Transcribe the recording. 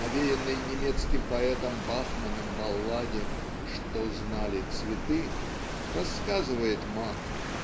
навеянной немецким поэтом Бахманом балладе "Что знали цветы" рассказывает мак